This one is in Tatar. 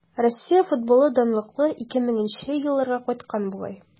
Россия футболы данлыклы 2000 нче елларга кайткан бугай.